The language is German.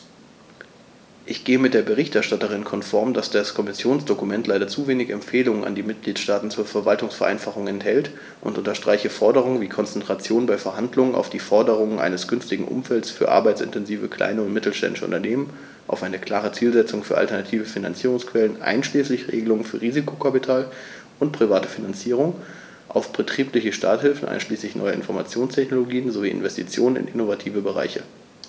Ich gehe mit der Berichterstatterin konform, dass das Kommissionsdokument leider zu wenig Empfehlungen an die Mitgliedstaaten zur Verwaltungsvereinfachung enthält, und unterstreiche Forderungen wie Konzentration bei Verhandlungen auf die Förderung eines günstigen Umfeldes für arbeitsintensive kleine und mittelständische Unternehmen, auf eine klare Zielsetzung für alternative Finanzierungsquellen einschließlich Regelungen für Risikokapital und private Finanzierung, auf betriebliche Starthilfen einschließlich neuer Informationstechnologien sowie Investitionen in innovativen Bereichen.